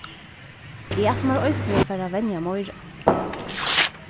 eg ætli mær eisini at fara at venja meira